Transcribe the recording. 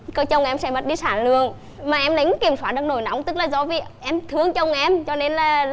chồng em sẽ mất đi sản lượng mà em lại không kiểm soát được nổi nóng mà tức là do vì em thương chồng em cho nên là